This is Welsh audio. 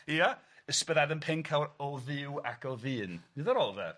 Ia Ysbyddaden Pencawr o dduw ac o ddyn, ddiddorol de?